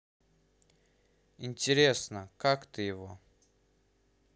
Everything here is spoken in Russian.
интересно как ты его